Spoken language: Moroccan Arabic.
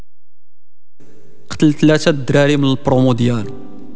قلت لا تدري من المونديال